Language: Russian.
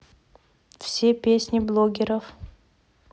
все песни блогеров